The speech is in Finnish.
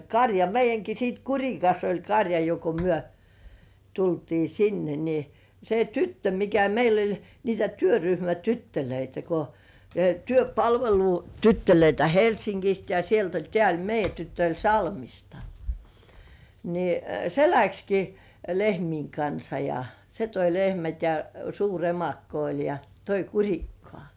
karja meidänkin sitten Kurikassa oli karja jo kun me tultiin sinne niin se tyttö mikä meillä oli niitä työryhmätyttöjä kun työpalvelutyttöjä Helsingistä ja sieltä oli tämä oli meidän tyttö oli Salmista niin se lähtikin lehmien kanssa ja se toi lehmät ja suuri emakko oli ja toi Kurikkaan